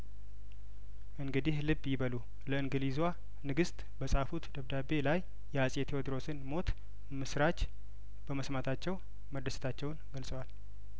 እንግዲህ ልብ ይበሉ ለእንግሊዟን ግስት በጻፉት ደብዳቤ ላይ የአጼ ቴዎድሮስን ሞት ምስራች በመስማታቸው መደሰታቸውን ገልጸዋል